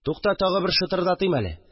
Тукта, тагы бер шытырдатыйм әле